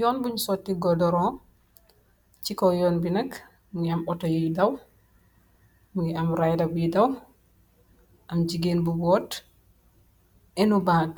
Yoon bunj sooti godoro, ci kaw yoon bi nak, mingi am ooto yi daw, mingi am rida bi daw, am jigeen bu bot enu bak,